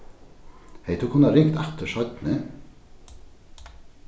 hevði tú kunnað ringt aftur seinni